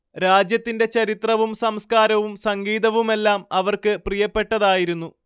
രാജ്യത്തിന്റെ ചരിത്രവും സംസ്കാരവും സംഗീതവുമെല്ലാം അവർക്ക് പ്രിയപ്പെട്ടതായിരുന്നു